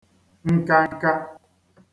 nkanka